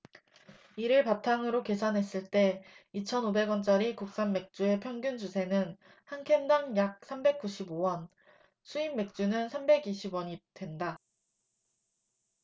이를 바탕으로 계산했을 때 이천 오백 원짜리 국산맥주의 평균 주세는 한 캔 당 약 삼백 구십 오 원 수입맥주는 삼백 이십 원이된다